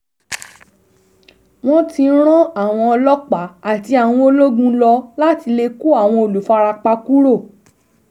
Wọ́n ti rán àwọn ọlọ́pàá àti àwọn ológun lọ láti lè kó àwọn olùfarapa kúrò.